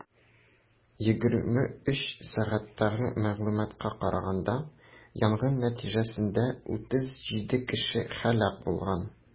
23:00 сәгатьтәге мәгълүматка караганда, янгын нәтиҗәсендә 37 кеше һәлак булган.